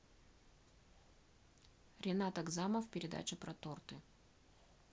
ренат агзамов передача про торты